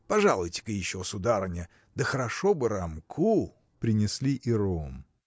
Пожалуйте-ка еще, сударыня, да хорошо бы ромку! Принесли и ром.